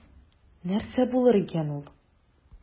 Нәрсә булыр икән ул?